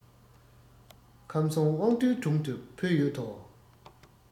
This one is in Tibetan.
ཁམས གསུམ དབང འདུས དྲུང དུ ཕུལ ཡོད དོ